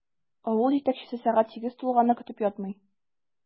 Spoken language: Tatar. Авыл җитәкчесе сәгать сигез тулганны көтеп ятмый.